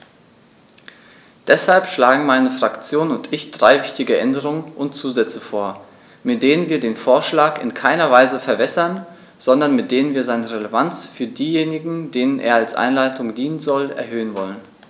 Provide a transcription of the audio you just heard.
Deshalb schlagen meine Fraktion und ich drei wichtige Änderungen und Zusätze vor, mit denen wir den Vorschlag in keiner Weise verwässern, sondern mit denen wir seine Relevanz für diejenigen, denen er als Anleitung dienen soll, erhöhen wollen.